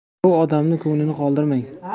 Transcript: bu odamni ko'nglini qoldirmang